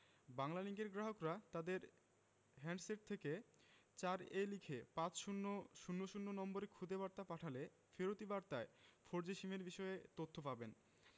বাংলালিংকের গ্রাহকরা তাদের হ্যান্ডসেট থেকে ৪ এ লিখে পাঁচ শূণ্য শূণ্য শূণ্য নম্বরে খুদে বার্তা পাঠালে ফিরতি বার্তায় ফোরজি সিমের বিষয়ে তথ্য পাবেন